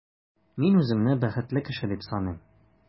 Мин үземне бәхетле кеше дип саныйм.